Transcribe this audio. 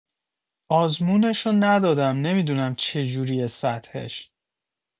آزمونشو ندادم نمی‌دونم چجوریه سطحش